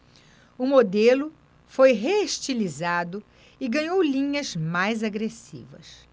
o modelo foi reestilizado e ganhou linhas mais agressivas